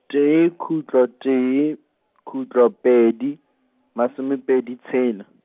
tee khutlo tee, khutlo pedi, masomepedi tshela.